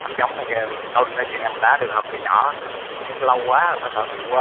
thánh giống thì ngừ câu nói chuyện này mình đã được học từ nhỏ mà chắc lâu quá có thể bị quên